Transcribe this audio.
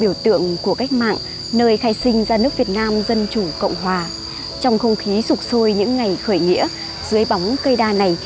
biểu tượng của cách mạng nơi khai sinh ra nước việt nam dân chủ cộng hòa trong không khí sục sôi những ngày khởi nghĩa dưới bóng cây đa này